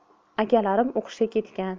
akalarim o'qishga ketgan